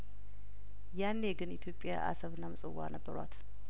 ያኔ ግን ኢትዮጵያ አሰብና ምጽዋ ነበሯት